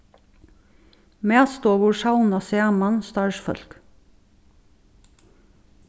matstovur savna saman starvsfólk